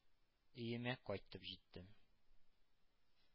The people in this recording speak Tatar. Өемә кайтып җиттем.